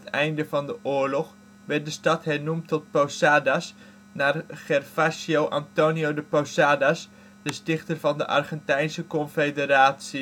einde van de oorlog werd de stad hernoemd tot Posadas naar Gervasio Antonio de Posadas, de stichter van de Argentijnse Confederatie